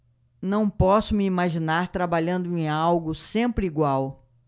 não posso me imaginar trabalhando em algo sempre igual